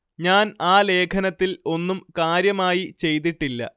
ഞാൻ ആ ലേഖനത്തിൽ ഒന്നും കാര്യമായി ചെയ്തിട്ടില്ല